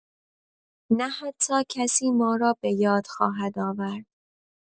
نه حتی کسی ما را بۀاد خواهد آورد.